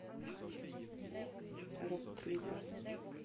рок клипы